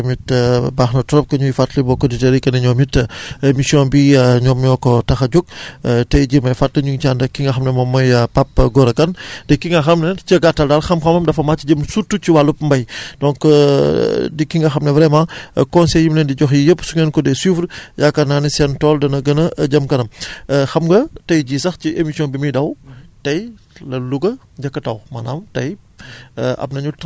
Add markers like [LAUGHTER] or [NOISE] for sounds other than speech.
loolu am na loolu [NOISE] loolu am na [HESITATION] am na am na solo parce que tamit [HESITATION] baax na trop que ñuy fàttali mbokku auditeurs yi que ne ñoom it [BREATH] émission bii [HESITATION] ñoom ñoo ko tax a jóg [BREATH] [HESITATION] tay jii may fàttali ñu ngi ci ànd ak ki nga xam ne moom mooy [HESITATION] Papa Gora Kane [BREATH] te ki nga xam ne ca gàttal daal xam-xamam dafa màcc jëm surtout ci wàllub mbay [BREATH] donc [HESITATION] di ki nga xam ne vraiment conseils yi mu leen di jox yii yépp su ngeen ko dee suivre [BREATH] yaakaar naa ne seen tool dana gën a jëm kanam [BREATH] xam nga tay jii sax ci émission bi muy daw